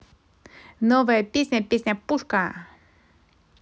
новая песня песня пушка